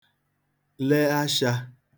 le ashā